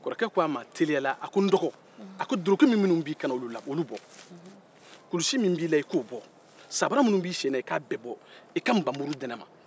kɔrɔ ko a ma teliyala a ko n dɔgɔ a ko duloki minnu b'i kanna olu bɔ kulusi min b'i la e ko bɔ a ko samara minnu b'i senna i k'a bɛ e bɔ i ka nbamuru di ne man